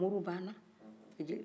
moriw b'ana